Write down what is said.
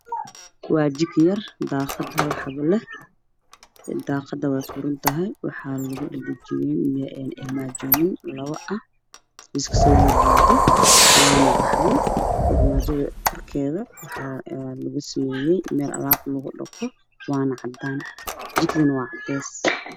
Waa jiko yar oo daaqad hal xabo leh, daaqada waa furan tahay waxaa yaalo armaajooyin labo ah, midabkeedu waa qaxwi, armaajada korkeed waxaa lugu sameeyay meel alaabta lugu dhaqdo waana cadeys, jikaduna waa cadaan.